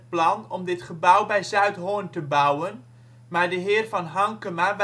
plan om dit gebouw bij Zuidhorn te bouwen, maar de heer van Hanckema